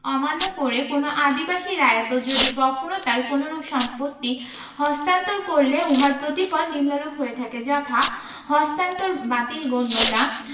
অমান্য করে কোনও আদিবাসী রায়ত যদি কখনো তার কোনরূপ সম্পত্তি হস্তান্তর করলে উহার প্রতিফল নিম্নরূপ হয়ে থাকে যথা হস্তান্তর বাতিল গণ্যতা